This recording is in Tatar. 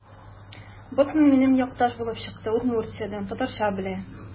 Боцман минем якташ булып чыкты: Удмуртиядән – татарча белә.